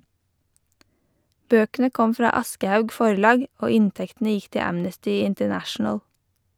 Bøkene kom fra Aschehoug Forlag og inntektene gikk til Amnesty International: